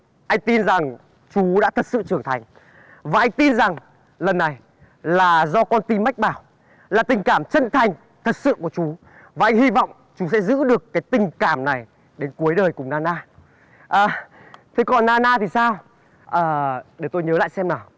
anh tin rằng chú đã thật sự trưởng thành và anh tin rằng lần này là do con tim mách bảo là tình cảm chân thành thật sự của chú và anh hy vọng chú sẽ giữ được cái tình cảm này đến cuối đời cùng na na à thế còn na na thì sao à để tôi nhớ lại xem nào